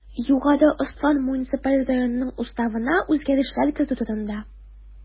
Югары Ослан муниципаль районынның Уставына үзгәрешләр кертү турында